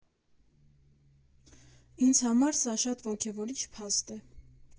Ինձ համար սա շատ ոգևորիչ փաստ է։